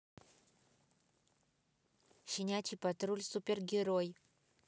щенячий патруль супер герой